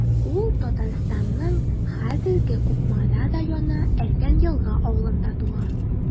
Ул Татарстанның хәзерге Кукмара районы Әсән Елга авылында туа.